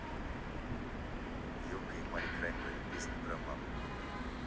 елка и мари краймбрери песня про маму